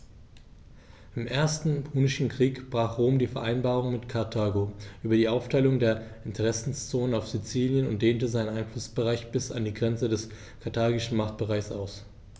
Im Ersten Punischen Krieg brach Rom die Vereinbarung mit Karthago über die Aufteilung der Interessenzonen auf Sizilien und dehnte seinen Einflussbereich bis an die Grenze des karthagischen Machtbereichs aus.